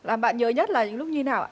làm bạn nhớ nhất là những lúc như nào ạ